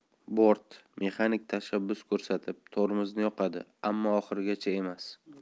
bort mexanik tashabbus ko'rsatib tormozni yoqadi ammo oxirigacha emas